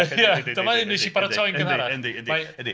Ie dyma... Yndi yndi yndi. ... Un nes i baratoi yn gynharach.